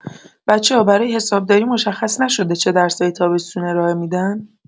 بچه‌ها برای حسابداری مشخص نشده چه درسایی تابستون ارائه می‌دن؟